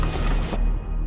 cả